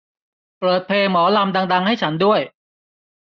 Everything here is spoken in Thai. เปิดเพลงหมอลำดังดังให้ฉันด้วย